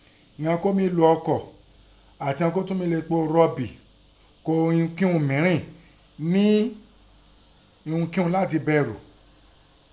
Ìghọn kọ́ mí lo ọkọ̀ àti ìghọn kọ́ tún mí lo epo rọ̀bì ún ighọn unǹkun mìírìn ín ní ihunkihun láti berù.